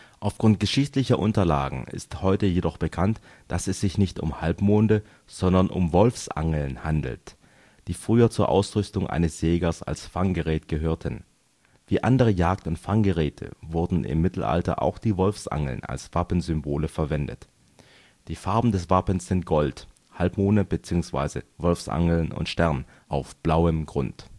Aufgrund geschichtlicher Unterlagen ist heute jedoch bekannt, dass es sich nicht um Halbmonde, sondern um Wolfsangeln handelt, die früher zur Ausrüstung eines Jägers als Fanggerät gehörten. Wie andere Jagd - und Fanggeräte wurden im Mittelalter auch die Wolfsangeln als Wappensymbole verwendet. Die Farben des Wappens sind gold (Halbmonde bzw. Wolfsangeln und Stern) auf blauem Grund